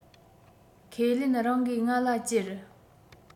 ཁས ལེན རང གིས ང ལ ཅེར